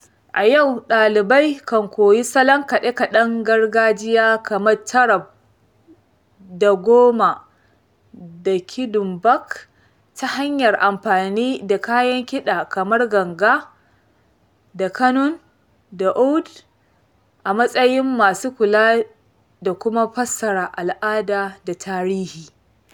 A yau, ɗalibai kan koyi salon kaɗe-kaɗen gargajiya kamar taarab da ngoma da kidumbak, ta hanyar amfani da kayan kiɗa kamar ganga da ƙanun da 'oud' a matsayin masu kula - da kuma fassara - al'ada da tarihi.